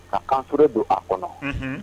Ka kanfur don a kɔnɔ